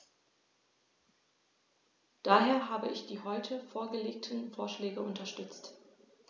Daher habe ich die heute vorgelegten Vorschläge unterstützt.